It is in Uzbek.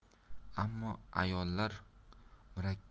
ammo ayollar murakkab